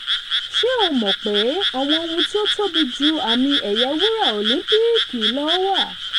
"Ṣé o mọ̀ pé, àwọn ohun tí ó tóbi ju àmì ẹ̀yẹ wúràÒlìńpíìkì lọ wà.